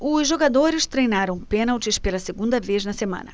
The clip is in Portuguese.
os jogadores treinaram pênaltis pela segunda vez na semana